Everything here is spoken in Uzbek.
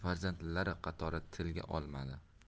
farzandlari qatori tilga olmadi